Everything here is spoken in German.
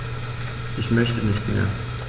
Ich möchte nicht mehr.